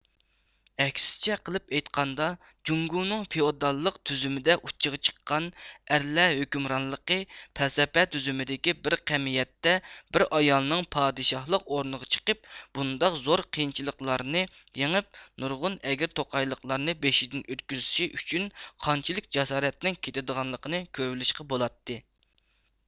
ئەكسىچە قىلىپ ئېيتقاندا جۇڭگۇنىڭ فىئوداللىق تۈزۈمىدە ئۇچچىغا چىققان ئەرلەر ھۆكۈمرانلىقى پەلسەپە تۈزۈمدىكى بىر قەمىيەتتە بىر ئايالنىڭ پادىشالىق ئورنىغا چىقىپ بۇنداق زور قىينچىلىقلارنى يېڭىپ نۇرغۇن ئەگىر توقايلىقلارنى بېشىدىن ئۆتكۈزۈشى ئۈچۈن قانچىلىك جاسارەتنىڭ كېتىدىغانلىقىنى كۆرۈۋېلىشقا بولاتتى